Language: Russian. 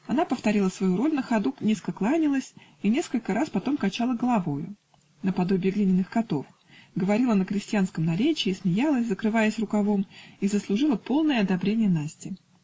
Она повторила свою роль, на ходу низко кланялась и несколько раз потом качала головою, наподобие глиняных котов, говорила на крестьянском наречии, смеялась, закрываясь рукавом, и заслужила полное одобрение Насти.